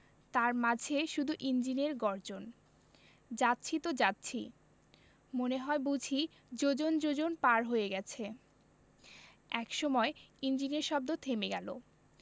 তার মাঝে শুধু ইঞ্জিনের গর্জন যাচ্ছি তো যাচ্ছি মনে হয় বুঝি যোজন যোজন পার হয়ে গেছে একসময় ইঞ্জিনের শব্দ থেমে গেলো